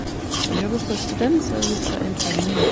Jeg jobber på Studentservice på NTNU.